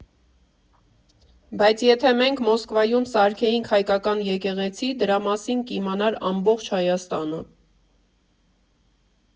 Բայց եթե մենք Մոսկվայում սարքեինք հայկական եկեղեցի, դրա մասին կիմանար ամբողջ Հայաստանը։